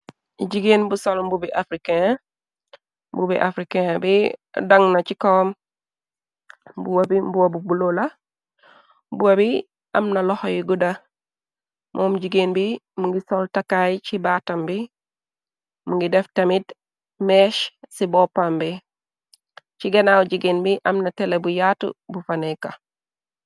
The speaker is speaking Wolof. Jigéen bu sol mbu bi africain. Mbu bi africain bi dang na ci kawam. Mbooba bi mbooba bu bulo la. Mbooba bi am na loxo yu gudda moom jigéen bi mungi sol takaay ci baatam bi mungi def tamit meesh ci boppam bi. Ci ganaaw jigéen bi amna tele bu yaatu bu faneka.